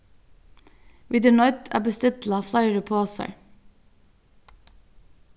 vit eru noydd at bestilla fleiri posar